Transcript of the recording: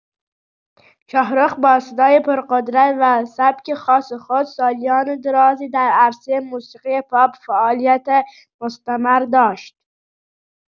شاهرخ با صدای پرقدرت و سبک خاص خود، سالیان درازی در عرصه موسیقی پاپ فعالیت مستمر داشت.